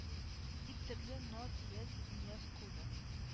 Дип төрле наз вәз нияз кыйлды